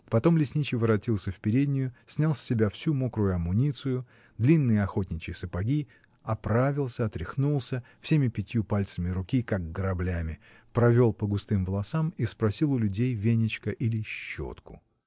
Потом лесничий воротился в переднюю, снял с себя всю мокрую амуницию, длинные охотничьи сапоги, оправился, отряхнулся, всеми пятью пальцами руки, как граблями, провел по густым волосам и спросил у людей веничка или щетку.